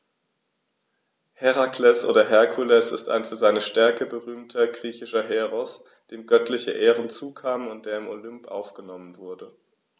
Herakles oder Herkules ist ein für seine Stärke berühmter griechischer Heros, dem göttliche Ehren zukamen und der in den Olymp aufgenommen wurde.